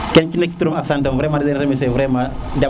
ku neek si turam ak santam di leen di remercier vraiment